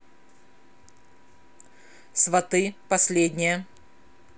сваты последняя